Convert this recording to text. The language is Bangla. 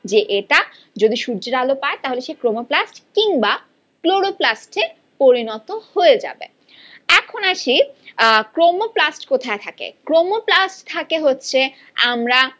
যে এটা যদি সূর্যের আলো পায় তাহলে এটা সে ক্রোমোপ্লাস্ট কিংবা ক্লোরোপ্লাস্টে পরিণত হয়ে যাবে এখন আসি ক্রোমোপ্লাস্ট কোথায় থাকে ক্রোমোপ্লাস্ট থাকে হচ্ছে আমরা